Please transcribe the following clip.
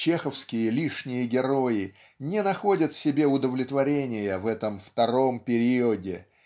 Чеховские лишние герои не находят себе удовлетворения в этом втором периоде